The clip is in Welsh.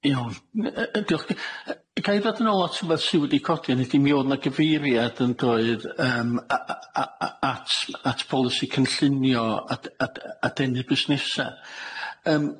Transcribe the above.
Iawn yy yy yy diolch ichdi. Y- ga i ddod nôl at wbath sy wedi codi, hynny ydi mi o'dd 'na gyfeiriad yn doedd, yym a- a- a- at at polisi cynllunio ad- ad- a denu busnesa', ,yym